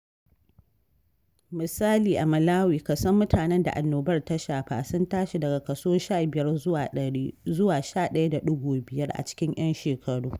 Misali, a Malawi kason mutanen da annobar ta shafa sun tashi daga kaso 15% zuwa 11.5 a cikin 'yan shekaru.